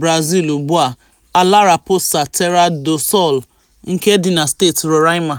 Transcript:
Brazil ugbua - ala Raposa Terra do Sol, nke dị na steeti Roraima.